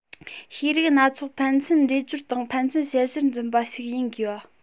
ཤེས རིག སྣ ཚོགས ཕན ཚུན འདྲེས སྦྱོར དང ཕན ཚུན དཔྱད གཞིར འཛིན པ ཞིག ཡིན དགོས པ